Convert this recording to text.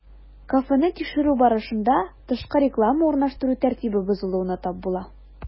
Кафены тикшерү барышында, тышкы реклама урнаштыру тәртибе бозылуына тап була.